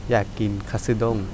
อยากกินคัทสึด้ง